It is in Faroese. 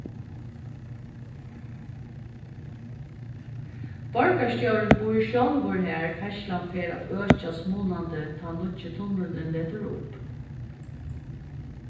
borgarstjórin býr sjálvur har ferðslan fer at økjast munandi tá nýggi tunnilin letur upp